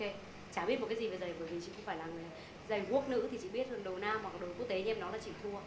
kê chả biết một cái gì về giày bởi vì chị không phải là người giày guốc nữ thì chị biết đồ nam hoặc là đồ quốc tế như em nói thì chị thua